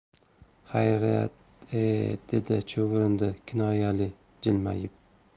hayriyat e dedi chuvrindi kinoyali jilmayib